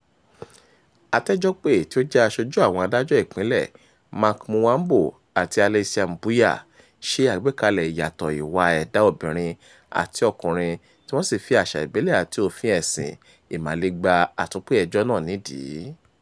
Atẹ́jọ́pè, tí ó jẹ́ aṣojú àwọn adájọ́ ìpínlẹ̀, Mark Mulwambo àti Alesia Mbuya, ṣe àgbékalẹ̀ ìyàtọ̀ ìwà ẹ̀dá obìnrin àti ọkùnrin tí wọ́n sì fi àṣà ìbílẹ̀ àti òfin ẹ̀sìn Ìmàle gbá àtúnpè-ẹjọ́ náà nídìí.